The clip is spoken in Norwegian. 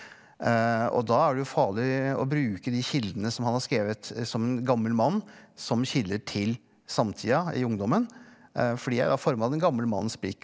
og da er det jo farlig å bruke de kildene som han har skrevet som en gammel mann som kilder til samtida i ungdommen for de er da forma av den gamle mannens blikk.